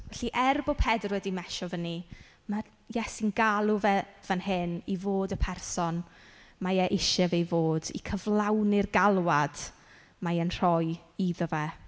Felly, er bod Pedr wedi mesio fyny ma' Iesu'n galw fe fan hyn i fod y person mae e isie fe i fod, i cyflawni'r galwad mae e'n rhoi iddo fe.